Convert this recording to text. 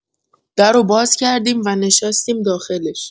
در و باز کردیم و نشستیم داخلش.